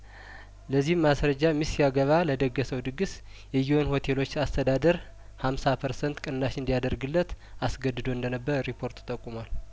ለዚህም ማስረጃ ሚስት ሲያገባ ለደ ገሰው ድግስ የጊዎን ሆቴሎች አስተዳደር ሀምሳ ፐርሰንት ቅናሽ እንዲያደርግለት አስገድዶ እንደነበር ሪፖርቱ ጠቁሟል